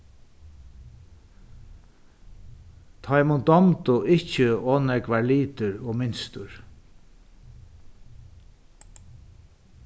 teimum dámdu ikki ov nógvar litir og mynstur